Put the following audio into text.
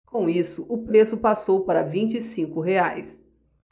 com isso o preço passou para vinte e cinco reais